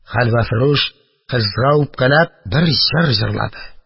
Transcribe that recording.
Хәлвәфрүш, кызга үпкәләп, бер җыр җырлады: